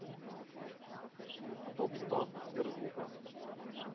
топ сто сберзвука